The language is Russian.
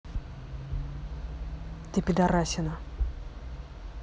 ты пидарасина